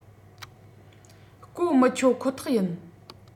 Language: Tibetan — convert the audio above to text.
གོ མི ཆོད ཁོ ཐག ཡིན